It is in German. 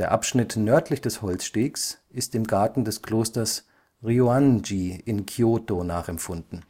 Abschnitt nördlich des Holzstegs ist dem Garten des Klosters Ryōan-ji in Kyōto nachempfunden